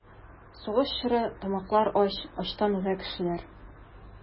Сугыш чоры, тамаклар ач, Ачтан үлә күршеләр.